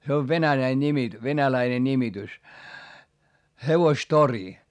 se on venäläinen nimi venäläinen nimitys hevostori